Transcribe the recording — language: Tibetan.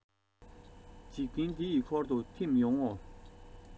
འཇིག རྟེན འདི ཡི འཁོར དུ ཐིམ ཡོང ངོ